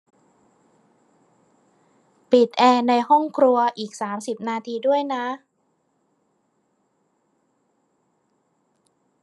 ปิดแอร์ในห้องครัวอีกสามสิบนาทีด้วยนะ